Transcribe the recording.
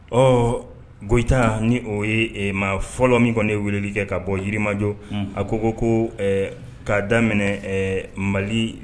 Ɔgota ni o ma fɔlɔ min kɔni ne weleli kɛ ka bɔ yirimajɔ a ko ko ko ka daminɛ mali